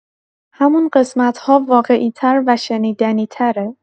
همون قسمت‌ها واقعی‌تر و شنیدنی‌تره.